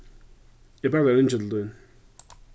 eg bað teir ringja til tín